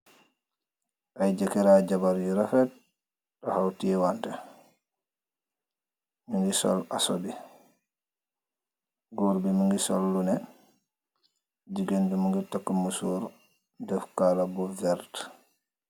Ayy jekarr la jabarrr yu refet , waaw tewanteh , nugeh sol assobeh , goor bi mukeeh sol luneet , jigeen bi mukeh tagah musoor , deff calaah bu werta.